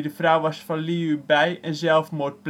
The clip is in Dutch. vrouw van Liu Bei (zelfmoord